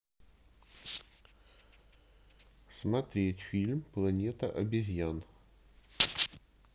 смотреть фильм планета обезьян